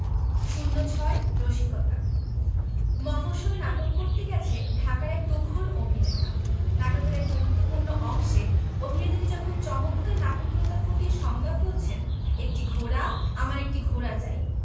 ০৬ রসিকতা মফশ্বলে নাটক করতে গেছে ঢাকার এক তুখোর অভিনেতা নাটকের এক গুরুত্তপূ্র্ণ অংশে অভিনেতাটি যখন চমৎকার নাটকীয়তা ফুটিয়ে সংলাপ বলছেন একটি ঘোড়া আমার একটি ঘোড়া চাই